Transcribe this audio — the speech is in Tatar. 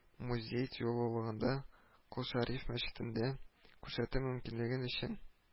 Музей-тыюлыгында, кол шәриф мәчетендә күрсәтү мөмкинлеге өчен